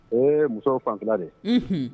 Ee musow fanti de h